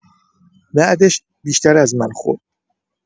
بعدش بیشتر از من خورد!